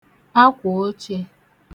akwòochē